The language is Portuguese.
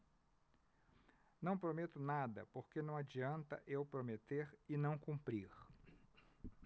não prometo nada porque não adianta eu prometer e não cumprir